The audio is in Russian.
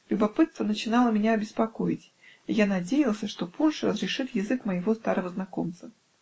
Любопытство начинало меня беспокоить, и я надеялся, что пунш разрешит язык моего старого знакомца.